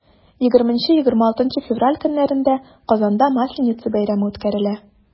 20-26 февраль көннәрендә казанда масленица бәйрәме үткәрелә.